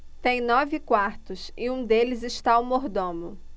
tem nove quartos e em um deles está o mordomo